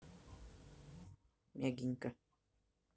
мягенько